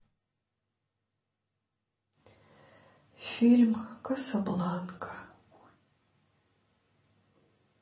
фильм касабланка